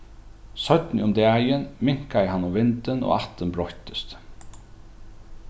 seinni um dagin minkaði hann um vindin og ættin broyttist